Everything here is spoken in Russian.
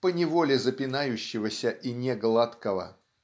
поневоле запинающегося и негладкого.